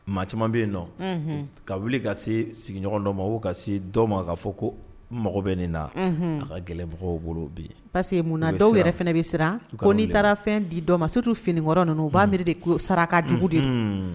Maa caman bɛ yen nɔ ka wuli ka se sigiɲɔgɔn dɔ ma ka se dɔw ma ka fɔ ko mɔgɔ bɛ nin na a ka gɛlɛnmɔgɔ bolo bi yen parce que mun dɔw yɛrɛ fana bɛ siran ko n'i taara fɛn di dɔ ma se ttuu finiinkɔrɔ ninnu u b baa de saraka jugu de